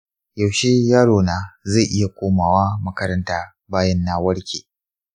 yaushe yaro na zai iya komawa makaranta bayan na warke?